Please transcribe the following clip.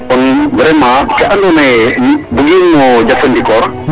kon vraiment ke andoona yee bugiin mo jafandikoor